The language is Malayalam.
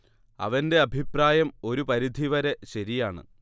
അവന്റെ അഭിപ്രായം ഒരു പരിധി വരെ ശരിയാണ്